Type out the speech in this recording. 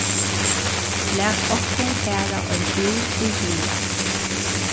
lat okkum fara ein túr í hagan